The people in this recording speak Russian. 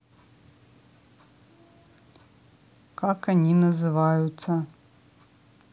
как они называются